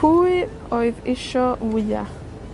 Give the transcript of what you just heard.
Pwy oedd isio wya?